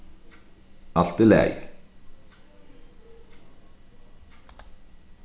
alt í lagi